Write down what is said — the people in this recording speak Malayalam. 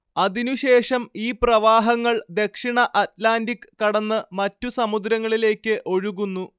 അതിനുശേഷം ഈ പ്രവാഹങ്ങൾ ദക്ഷിണ അറ്റ്‌ലാന്റിക് കടന്ന് മറ്റു സമുദ്രങ്ങളിലേക്ക് ഒഴുകുന്നു